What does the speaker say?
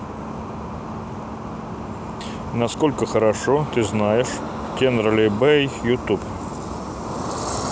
насколько хорошо ты знаешь tenderlybae youtube